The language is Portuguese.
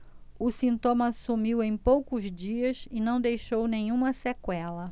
o sintoma sumiu em poucos dias e não deixou nenhuma sequela